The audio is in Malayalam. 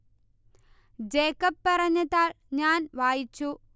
ജേക്കബ് പറഞ്ഞ താൾ ഞാൻ വായിച്ചു